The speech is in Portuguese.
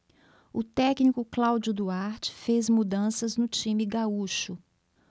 o técnico cláudio duarte fez mudanças no time gaúcho